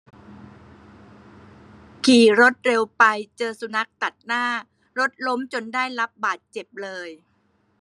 ขี่รถเร็วไปเจอสุนัขตัดหน้ารถล้มจนได้รับบาดเจ็บเลย